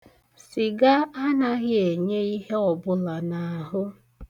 Sịga anaghị enye ihe ọbụla n'ahụ.